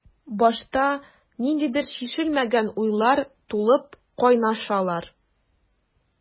Башта ниндидер чишелмәгән уйлар тулып кайнашалар.